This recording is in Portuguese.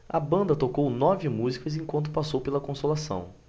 a banda tocou nove músicas enquanto passou pela consolação